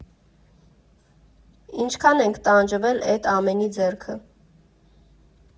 Ինչքա՜ն ենք տանջվել էդ ամենի ձեռքը։